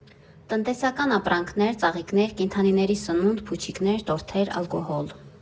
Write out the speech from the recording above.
Տնտեսական ապրանքներ, ծաղիկներ, կենդանիների սնունդ, փուչիկներ, տորթեր, ալկոհոլ…